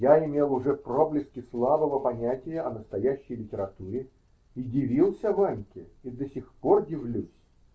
я имел уже проблески слабого понятия о настоящей литературе и дивился Ваньке и до сих пор дивлюсь.